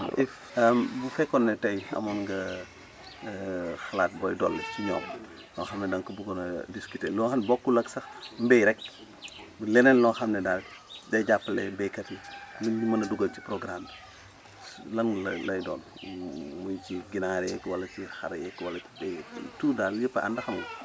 if bu fekkoon ne tey amoon nga xalaat booy dolli si ñoom loo xam ne da nga ko bëggoon a discuté loo xam bokkul ak sax mbay rek leneen loo xam ne daal day jàppale baykat yi ngir ñu mën a duggal ci programme bi su lan la lay doon muy ci ginnaar yeeg wala si xar yeeg wala béy yeeg tout daal yëpp a ànd xam nga